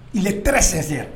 Il est très sincère